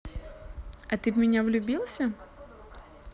а ты в меня влюбился